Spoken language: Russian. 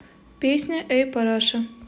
песня эй параша